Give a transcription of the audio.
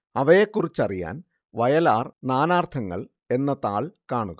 അവയെക്കുറിച്ചറിയാൻ വയലാർ നാനാർത്ഥങ്ങൾ എന്ന താൾ കാണുക